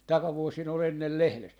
takavuosina oli ennen lehdessä